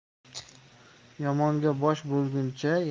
yomonga bosh bo'lguncha